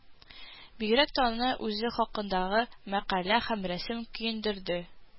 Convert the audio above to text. Бигрәк тә аны үзе хакындагы мәкалә һәм рәсем көендерде